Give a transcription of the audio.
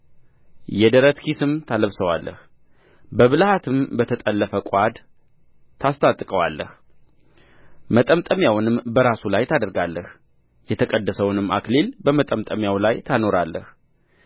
የደረት ኪስም ታለብሰዋለህ በብልሃትም በተጠለፈ ቋድ ታስታጥቀዋለህ መጠምጠሚያውንም በራሱ ላይ ታደርጋለህ የተቀደሰውንም አክሊል በመጠምጠሚያው ላይ ታኖራለህ